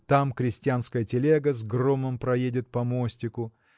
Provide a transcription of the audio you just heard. Там крестьянская телега с громом проедет по мостику